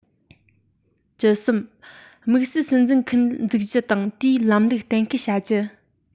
བཅུ གསུམ དམིགས བསལ སྲིད འཛིན ཁུལ འཛུགས རྒྱུ དང དེའི ལམ ལུགས གཏན འཁེལ བྱ རྒྱུ